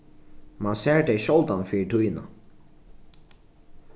mann sær tey sjáldan fyri tíðina